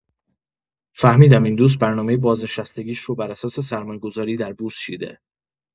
فهمیدم این دوست برنامۀ بازنشستگیش رو بر اساس سرمایه‌گذاری در بورس چیده.